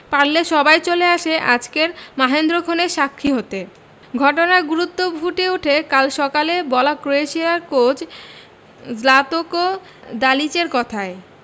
পারলে সবাই চলে আসে আজকের মাহেন্দ্রক্ষণের সাক্ষী হতে ঘটনার গুরুত্ব ফুটে ওঠে কাল সকালে বলা ক্রোয়েশিয়ার কোচ জ্লাতকো দালিচের কথায়